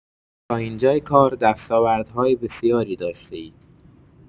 تا اینجای کار دستاوردهای بسیاری داشته‌اید.